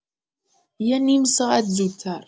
یه نیم ساعت زودتر